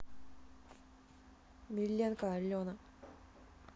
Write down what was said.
меленка алена